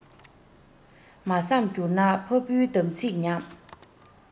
མ བསམས གྱུར ན ཕ བུའི དམ ཚིགས ཉམས